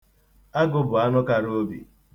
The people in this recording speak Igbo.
Agụ bụ anụ kara obi.